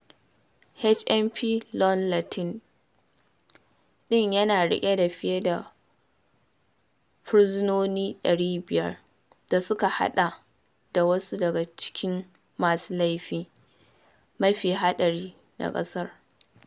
HMP Long Lartin ɗin yana riƙe da fiye da fursunoni 500, da suka haɗa da wasu daga cikin masu laifi mafiya haɗari na ƙasar.